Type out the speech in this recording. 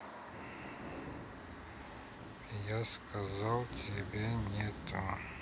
я сказал тебе нету